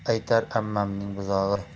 yedirib aytadi ammamning buzog'i